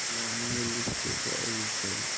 ilonning o'lgisi kelsa izda yotar